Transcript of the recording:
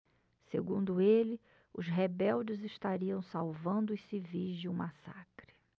segundo ele os rebeldes estariam salvando os civis de um massacre